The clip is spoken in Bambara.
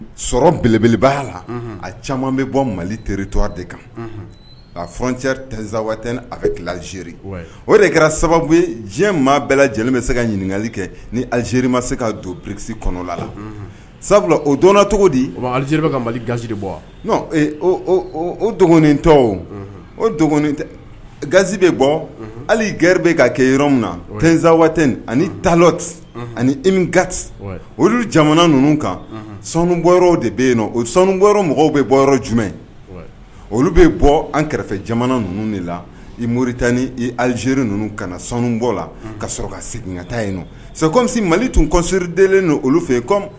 Belebele la a caman bɛ bɔ mali kan a f cɛri tzsat a kizeri o de kɛra sababu diɲɛ maa bɛɛ lajɛlen bɛ se ka ɲininkakali kɛ ni alize ma se ka don pkisi kɔnɔ sabula o don cogo di aliz ka mali gasiri bɔ otɔ o gasi bɛ bɔ hali g bɛ ka kɛ yɔrɔ min na tzsat ani taloti ani imi gati olu jamana ninnu kan sanu bɔ de bɛ yen o sanu bɔ mɔgɔw bɛ bɔ yɔrɔ jumɛn olu bɛ bɔ an kɛrɛfɛ jamana ninnu de la i mori tan ni alizeri ninnu ka na sanu bɔ la ka sɔrɔ ka seginkata yen mali tun kɔsɔrid olu fɛ yen